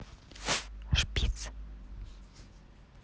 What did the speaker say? шпиц